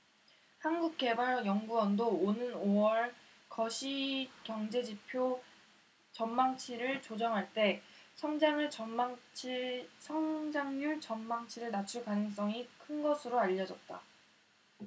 한국개발연구원도 오는 오 월 거시경제지표 전망치를 조정할 때 성장률 전망치를 낮출 가능성이 큰 것으로 알려졌다